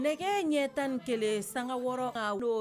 Nɛgɛ ɲɛ 11sanga 6 ka bolo